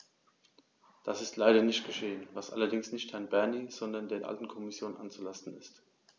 Das ist leider nicht geschehen, was allerdings nicht Herrn Bernie, sondern der alten Kommission anzulasten ist.